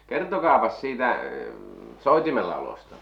kertokaapas siitä soitimella olosta